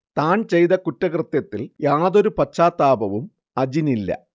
താൻ ചെയ്ത കുറ്റകൃത്യത്തിൽ യാതൊരു പശ്ചാത്താപവും അജിനില്ല